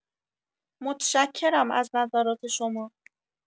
متشکرم از نظرات شما